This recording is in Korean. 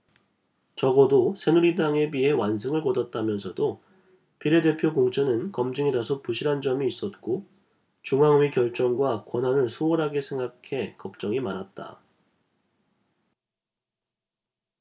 적어도 새누리당에 비해 완승을 거뒀다면서도 비례대표 공천은 검증이 다소 부실한 점이 있었고 중앙위 결정과 권한을 소홀하게 생각해 걱정이 많았다